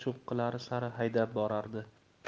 cho'qqilari sari haydab borardi